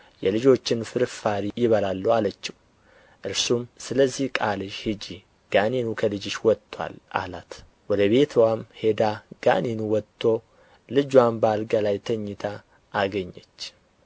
የልጆችን ፍርፋሪ ይበላሉ አለችው እርሱም ስለዚህ ቃልሽ ሂጂ ጋኔኑ ከልጅሽ ወጥቶአል አላት ወደ ቤትዋም ሄዳ ጋኔኑ ወጥቶ ልጅዋም በአልጋ ላይ ተኝታ አገኘች